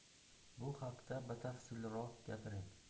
bu haqda batafsilroq gapiring